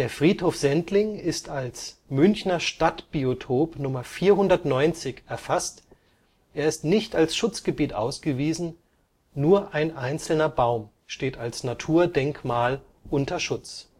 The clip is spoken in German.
Friedhof Sendling ist als Münchner Stadtbiotop Nr. 490 erfasst, er ist nicht als Schutzgebiet ausgewiesen, nur ein einzelner Baum steht als Naturdenkmal unter Schutz